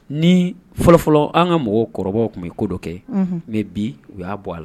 Ni fɔlɔfɔlɔ an ka mɔgɔkɔrɔbaw tun bɛ ko dɔ kɛ mɛ bi u y'a bɔ a la